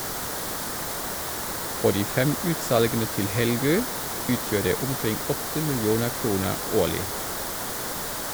For de fem utsalgene til Helgø utgjør det omkring 8 millioner kroner årlig.